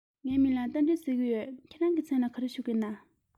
ངའི མིང ལ རྟ མགྲིན ཟེར གྱི ཡོད ཁྱེད རང གི མཚན ལ གང ཞུ གི ཡོད ན